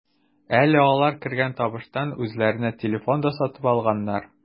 Әле алар кергән табыштан үзләренә телефон да сатып алганнар.